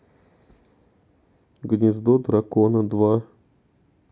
гнездо дракона два